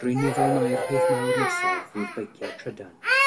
Rwy'n meddwl mai'r peth mawr nesaf fydd beiciau trydan.